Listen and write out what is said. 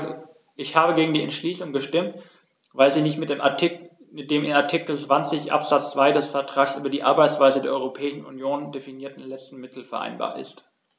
Ich habe gegen die Entschließung gestimmt, weil sie nicht mit dem in Artikel 20 Absatz 2 des Vertrags über die Arbeitsweise der Europäischen Union definierten letzten Mittel vereinbar ist.